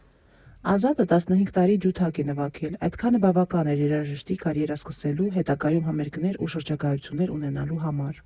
Ազատը տասնհինգ տարի ջութակ է նվագել, այդքանը բավական էր երաժշտի կարիերա սկսելու, հետագայում համերգներ ու շրջագայություններ ունենալու համար։